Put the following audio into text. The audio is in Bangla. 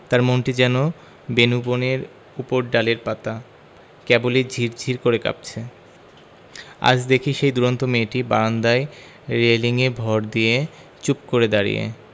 তার মনটি যেন বেনূবনের উপরডালের পাতা কেবলি ঝির ঝির করে কাঁপছে আজ দেখি সেই দূরন্ত মেয়েটি বারান্দায় রেলিঙে ভর দিয়ে চুপ করে দাঁড়িয়ে